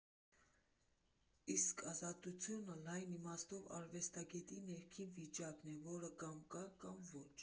Իսկ ազատությունը լայն իմաստով արվեստագետի ներքին վիճակն է, որը կամ կա, կամ ոչ»։